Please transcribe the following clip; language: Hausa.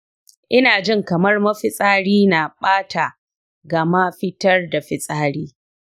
ina jin kamar mafitsari na bata gama fitar da fitsari.